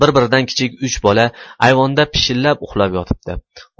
bir biridan kichik uch bola ayvonda pishillab uxlab yotibdi